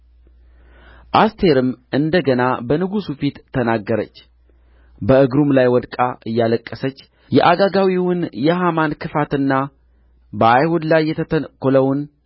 አስቴርም እንደ ገና በንጉሡ ፊት ተናገረች በእግሩም ላይ ወድቃ እያለቀሰች የአጋጋዊውን የሐማን ክፋትና በአይሁድ ላይ የተተነኰለውን